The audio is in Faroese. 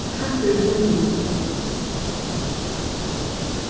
takk fyri fundin í gjár